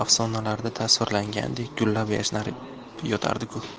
afsonalarda tasvirlangandek gullab yashnab yotardiku